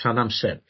rhan amser